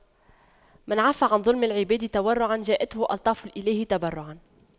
من عَفَّ عن ظلم العباد تورعا جاءته ألطاف الإله تبرعا